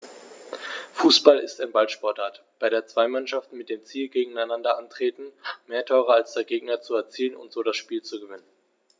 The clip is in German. Fußball ist eine Ballsportart, bei der zwei Mannschaften mit dem Ziel gegeneinander antreten, mehr Tore als der Gegner zu erzielen und so das Spiel zu gewinnen.